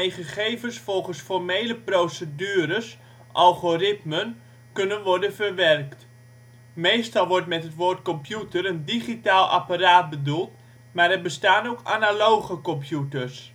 gegevens volgens formele procedures (algoritmen) kunnen worden verwerkt. Meestal wordt met het woord computer een digitaal apparaat bedoeld, maar er bestaan ook analoge computers